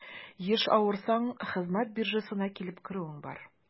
Еш авырсаң, хезмәт биржасына килеп керүең бар.